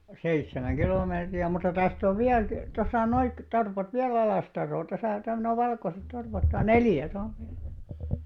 seitsemän kilometriä mutta tästä on vielä - tuossa - torpat vielä Alastaroa tuossa - nuo valkoiset torpat nuo neljä tuolla on vielä